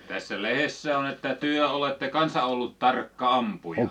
tässä lehdessä on että te olette kanssa ollut tarkka ampuja